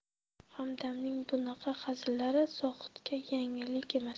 hamdamning bunaqa hazillari zohidga yangilik emas